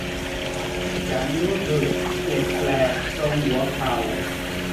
ฉันรู้สึกเจ็บแปลบตรงหัวเข่า